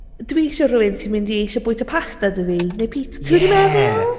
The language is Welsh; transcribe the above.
Dwi isio rhywun sy'n mynd i isio bwyta pasta 'da fi. Neu pitsa... ie! ...ti gwybod be dwi'n meddwl?